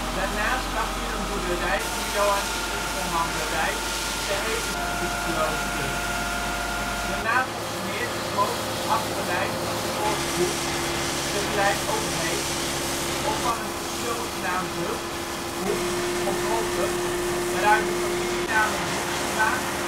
Daarnaast lag hier een boerderij van de Johannieter commanderij te Heveskesklooster. De naam Hoeksmeer is mogelijk afgeleid van het woord ' hoek ' (vgl. ook Heekt), of van een persoonsnaam Hug -, Hoek of Hokke, waaruit de familienamen Hoeksema